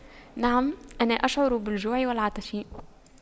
نعم أنا أشعر بالجوع والعطش